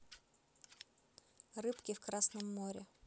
рыбки в красном море